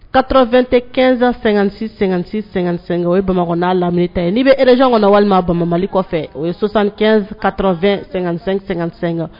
Ka2 tɛ kɛsan- sɛgɛn- sɛgɛn-sɛ-sɛ o bamakɔ n'a lamini ta ye n'i bɛ j kɔnɔ na walima bama kɔfɛ o ye sɔsan ka2---sɛka